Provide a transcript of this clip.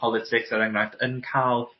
politics er enghraifft yn ca'l